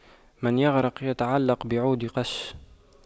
من يغرق يتعلق بعود قش